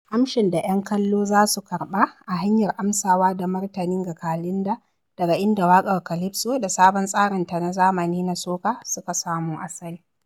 Amshin da 'yan kallo za su karɓa, a hanyar amsawa da martani ga "calinda", daga inda waƙar "calypso" - da sabon tsarinta na zamani, na soca - suka samo asali.